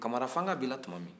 kamara fanka binna tuma min